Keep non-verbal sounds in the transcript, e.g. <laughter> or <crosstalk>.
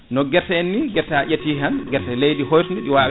no guerte en ni <noise> guerte sa ƴetti tan guerte leydi hoytudi